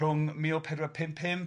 ...rhwng mil pedwar pump pump